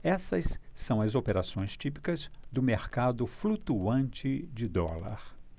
essas são as operações típicas do mercado flutuante de dólar